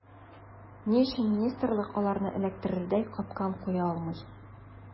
Ни өчен министрлык аларны эләктерердәй “капкан” куя алмый.